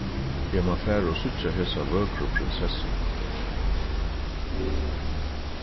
eg má fara og síggja hesa vøkru prinsessuna